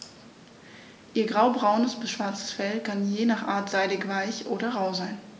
Ihr graubraunes bis schwarzes Fell kann je nach Art seidig-weich oder rau sein.